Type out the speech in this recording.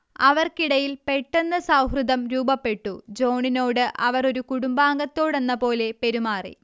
അവർക്കിടയിൽ പെട്ടെന്ന് സൗഹൃദം രൂപപ്പെട്ടു ജോൺണോട് അവർ ഒരു കുടുംബാംഗത്തോടെന്നപോലെ പെരുമാറി